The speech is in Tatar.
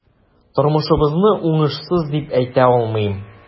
Тормышыбызны уңышсыз дип әйтә алмыйм.